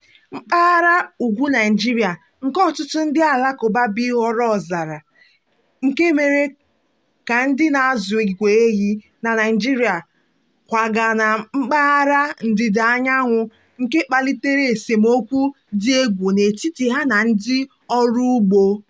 Mpaghara ugwu Naịjirịa nke ọtụtụ ndị Alakụba bi ghọrọ ọzara, nke mere ka ndị na-azụ ìgwè ehi na Naịjirịa kwaga na mpaghara ndịdaanyanwụ, nke kpalitere esemokwu dị egwu n'etiti ha na ndị ọrụugbo.